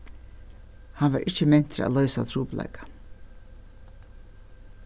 hann var ikki mentur at loysa trupulleikan